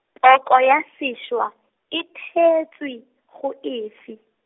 poko ya sešwa e theetswe go efe?